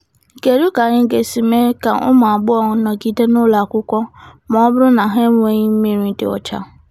Kedu ka anyị ga-esi mee ka ụmụ agbọghọ nọgide n'ụlọ akwụkwọ ma ọ bụrụ na ha enweghị mmiri dị ọcha?